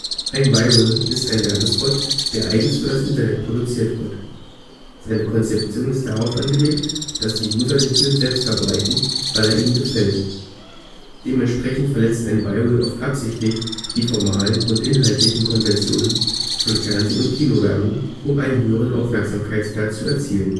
Ein Viral ist ein Werbespot, der eigens für das Internet produziert wird. Seine Konzeption ist darauf angelegt, dass die User den Film selbst verbreiten, weil er ihnen gefällt. Dementsprechend verletzt ein Viral oft absichtlich die formalen und inhaltlichen Konventionen von Fernseh - und Kinowerbung, um einen höheren Aufmerksamkeitswert zu erzielen